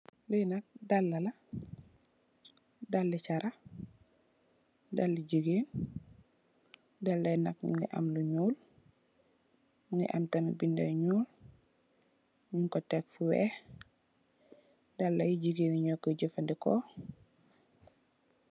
lenak dala lah dale charah dale jigeen, dala yi nak mimgi am lo nuul mingi am tarmit bindi yu nuul nug ko teh fo weex dale yi jigeen yi noyijafardiko.